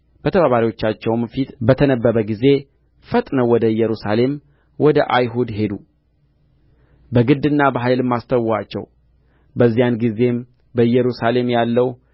በተባባሪዎቻቸውም ፊት በተነበበ ጊዜ ፈጥነው ወደ ኢየሩሳሌም ወደ አይሁድ ሄዱ በግድና በኃይልም አስተዉአቸው በዚያን ጊዜም በኢየሩሳሌም ያለው